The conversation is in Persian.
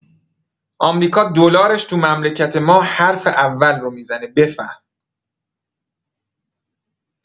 آمریکا دلارش تو مملکت ما حرف اول رو می‌زنه بفهم